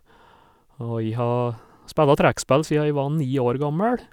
Og jeg har spella trekkspill sia jeg var ni år gammel.